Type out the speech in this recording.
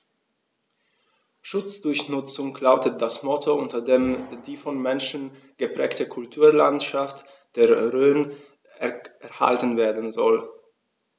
„Schutz durch Nutzung“ lautet das Motto, unter dem die vom Menschen geprägte Kulturlandschaft der Rhön erhalten werden soll.